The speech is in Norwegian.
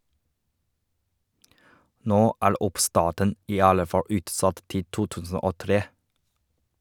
Nå er oppstarten i alle fall utsatt til 2003.